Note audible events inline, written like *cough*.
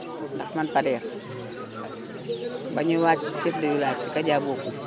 ndax man Pader *crosstalk* bañuy wàcc ci chef de village Kaja Boku